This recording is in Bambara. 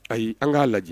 Ayi, an k'a lajɛ